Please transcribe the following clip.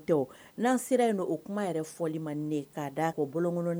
Dɔ, n'an sera yen nɔ kuma yɛrɛ fɔli man di ne ye k'a d'a kan, o bolo kɔnɔn